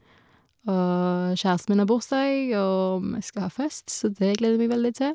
Og kjæresten min har bursdag og vi skal ha fest, så dét gleder jeg meg veldig til.